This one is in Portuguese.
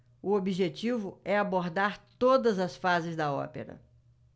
o objetivo é abordar todas as fases da ópera